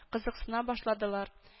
Кызыксына башладылар